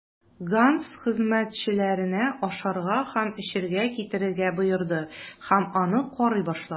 Ганс хезмәтчеләренә ашарга һәм эчәргә китерергә боерды һәм аны карый башлады.